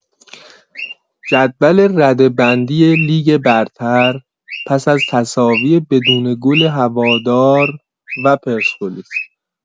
جدول رده‌بندی لیگ برتر پس‌از تساوی بدون گل هوادار و پرسپولیس